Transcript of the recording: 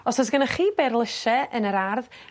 Os o's gennoch chi berlysie yn yr ardd